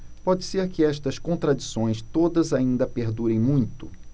pode ser que estas contradições todas ainda perdurem muito